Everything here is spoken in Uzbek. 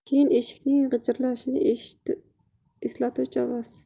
keyin eshikning g'ijirlashini eslatuvchi ovoz